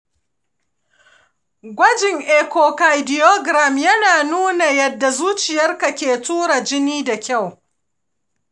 gwajin echocardiogram yana nuna yanda zuciyarka ke tura jini da kyau.